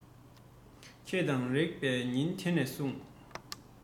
ཁྱེད དང རེག པའི ཉིན དེ ནས བཟུང